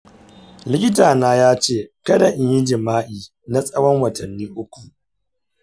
likitana ya ce kada in yi jima’i na tsawon watanni uku.